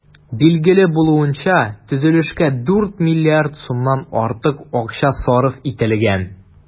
Билгеле булуынча, төзелешкә 4 миллиард сумнан артык акча сарыф ителгән.